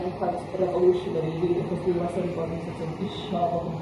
yn cweit revolutionary i fi achos dwi wastad 'di bod yn so't of isio bod yn